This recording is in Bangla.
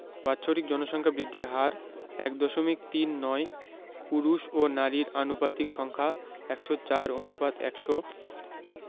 বাৎসরিক জনসংখ্যা বৃদ্ধির হার ১দশমিক তিন নয় পুরুষ ও নারীর আনুপাতিক সংখ্যা ১০৪ অনুপাত ১০০